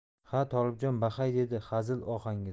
ha tolibjon bahay dedi hazil ohangida